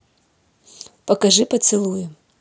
покажи поцелуи